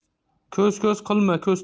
ko'z ko'z qilma ko'z